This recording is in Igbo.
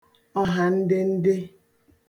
ọ̀hàndende